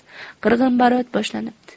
qirg'inbarot boshlanibdi